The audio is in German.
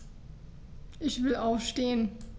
Ich will aufstehen.